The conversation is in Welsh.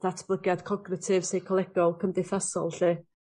datblygiad cognatif seicolegol cymdeithasol 'lly.